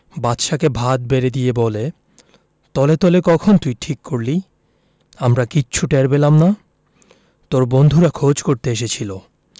নানা রোদ মিষ্টি হয় কী করে নানা এটা তুমি কোথায় পেলে বুবু শরিফা আপনার খবরের কাগজে